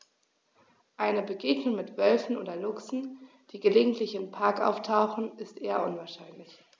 Eine Begegnung mit Wölfen oder Luchsen, die gelegentlich im Park auftauchen, ist eher unwahrscheinlich.